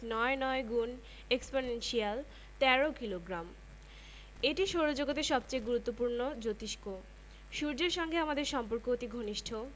প্রাচীনকাল হতে ভারত তার বস্ত্রশিল্পের জন্য সারা পৃথিবীতে বিখ্যাত ছিল বর্তমানে ইস্পাত সিমেন্ট যন্ত্রপাতি রাসায়নিক দ্রব্য সার এমন কি জাহাজ ও গাড়ি তৈরিতেও ভারত এগিয়ে গেছে